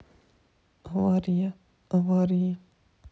авария аварии